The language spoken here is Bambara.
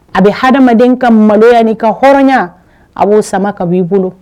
A bɛ ha adamadamaden ka maloya ni' ka hɔrɔnya a b'o sama ka b ii bolo